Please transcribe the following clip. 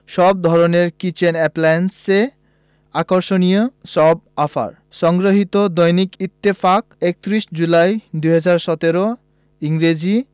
সব ধরনের কিচেন অ্যাপ্লায়েন্সে আকর্ষণীয় সব অফার সংগৃহীত দৈনিক ইত্তেফাক ৩১ জুলাই ২০১৭ ইংরেজি